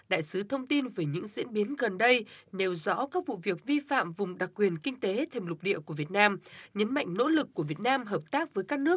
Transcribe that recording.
đại sứ thông tin về những diễn biến gần đây nêu rõ các vụ việc vi phạm vùng đặc quyền kinh tế thềm lục địa của việt nam nhấn mạnh nỗ lực của việt nam hợp tác với các nước